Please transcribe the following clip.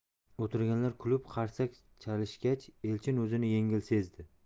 o'tirganlar kulib qarsak chalishgach elchin o'zini yengil sezdi